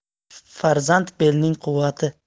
farzand belning quvvati